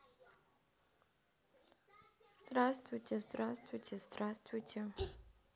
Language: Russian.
здравствуйте здравствуйте здравствуйте